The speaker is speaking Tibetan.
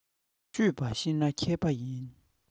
སྤྱོད པ ཤེས ན མཁས པ ཡིན